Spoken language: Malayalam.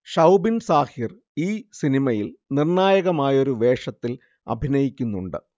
ഷൗബിൻ സാഹിർ ഈ സിനിമയിൽ നിർണായകമായൊരു വേഷത്തിൽ അഭിനയിക്കുന്നുണ്ട്